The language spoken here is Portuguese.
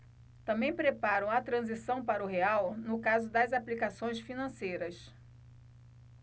também preparam a transição para o real no caso das aplicações financeiras